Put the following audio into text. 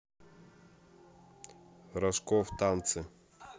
рожков танцы